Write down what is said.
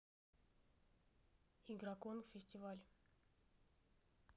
игрокон фестиваль